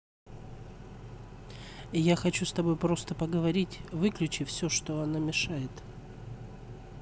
я хочу с тобой просто поговорить выключи все что она мешает